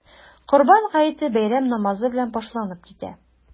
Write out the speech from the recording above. Корбан гаете бәйрәм намазы белән башланып китә.